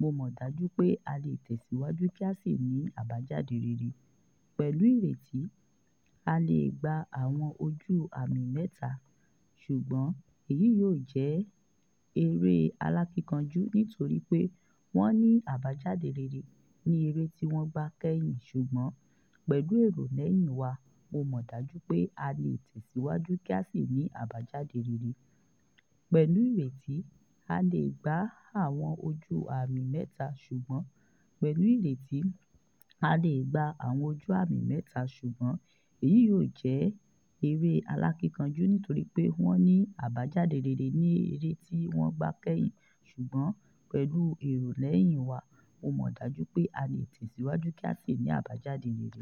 Mo mọ̀ dájú pé a lè tẹ̀síwájú kí a sì ní àbájáde rere.